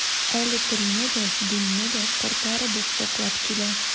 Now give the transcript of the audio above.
Әле телне дә, динне дә картларыбыз саклап килә.